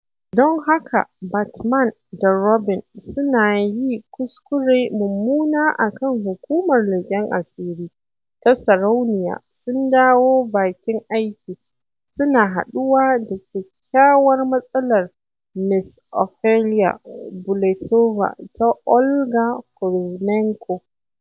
Don haka Batman da Robin suna yi kuskure mummuna a kan Hukumar Leƙen Asiri ta Sarauniya sun dawo bakin aiki, suna haɗuwa da kyakkyawar matsalar mace Ophelia Bulletova ta Olga Kurylenko.